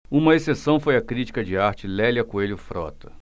uma exceção foi a crítica de arte lélia coelho frota